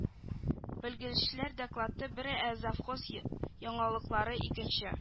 Белгечләр доклады бер ә завхоз яңалыклары икенче